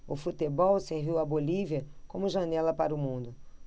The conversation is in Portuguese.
o futebol serviu à bolívia como janela para o mundo